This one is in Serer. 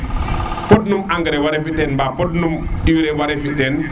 pod num engrai ware fi teen fo pod nim ire ware fi teen